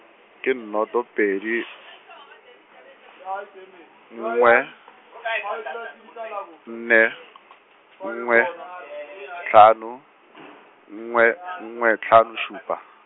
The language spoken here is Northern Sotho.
ke noto, pedi , nngwe, nne , nngwe, tlhano , nngwe, nngwe, tlhano šupa.